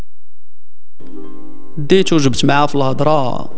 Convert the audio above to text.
ديكور جبس